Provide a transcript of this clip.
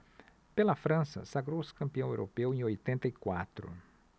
pela frança sagrou-se campeão europeu em oitenta e quatro